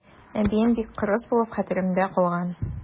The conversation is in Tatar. Әбием бик кырыс булып хәтеремдә калган.